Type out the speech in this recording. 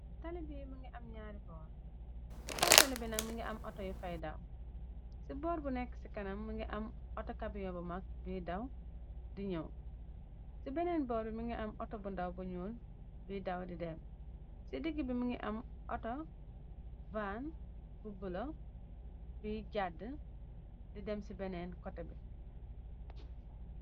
tibin am ñari boor ci kaw talibina mi ngi am outo yu faydaaw ci boor bu nekk ci kanam mi ngi am autokabiyon bu mag buy daw di ñëw ci beneen boor bi mi ngi am auto bu ndaw bu ñuul buy daw di dém ci digg bi mi ngi am auto vaan bu bulo buy jàdd di dem ci beneen koté bi